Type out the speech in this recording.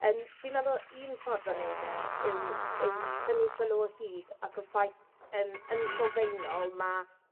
Yym fi'n meddwl un ffordd o neud e yw yw tynnu sylw o hyd at y ffaith yym yn sylfaenol ma'